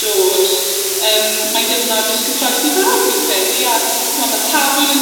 dod, yym mae'n gyfnod cyffrous i bawb, fi'n credu, a t'mod ma' Tafwyl yn